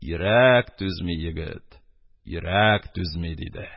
— йөрәк түзми, егет, йөрәк түзми! — диде.